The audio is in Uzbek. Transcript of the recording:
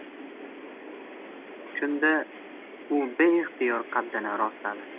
shunda u beixtiyor qaddini rostladi